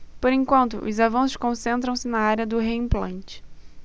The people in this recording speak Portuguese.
por enquanto os avanços concentram-se na área do reimplante